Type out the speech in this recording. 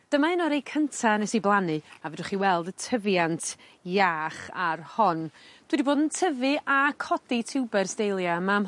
Dyma un o rei cynta nes i blannu a fedrwch chi weld y tyfiant iach ar hon dwi 'di bod yn tyfu a codi tiwbers Dahlia yma ym...